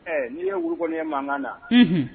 Ɛɛ'i ye wuk kɔni ye mankan na